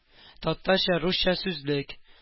Татарча-русча сүзлек